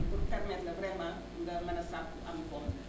pour permettre la vraiment nga mën a sakku am koom